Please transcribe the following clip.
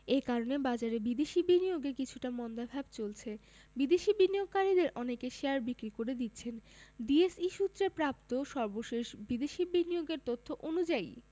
এ কারণে বাজারে বিদেশি বিনিয়োগেও কিছুটা মন্দাভাব চলছে বিদেশি বিনিয়োগকারীদের অনেকে শেয়ার বিক্রি করে দিচ্ছেন ডিএসই সূত্রে প্রাপ্ত সর্বশেষ বিদেশি বিনিয়োগের তথ্য অনুযায়ী